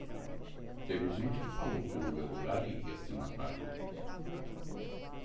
teve gente que falou que no meu lugar iria se matar